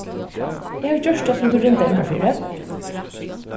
eg havi gjørt tað sum tú rindaði mær fyri